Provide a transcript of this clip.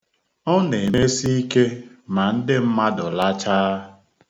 Ọ na-emesi ike ma ndị mmadụ lachaa.